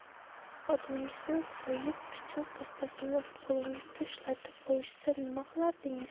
xotiningizni so'yib pichoq dastasini qo'lingizga ushlatib qo'yishsa nima qilardingiz